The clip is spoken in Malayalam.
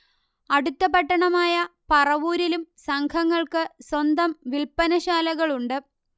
അടുത്ത പട്ടണമായ പറവൂരിലും സംഘങ്ങൾക്ക് സ്വന്തം വില്പനശാലകളുണ്ട്